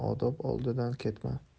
odob oldidan ketma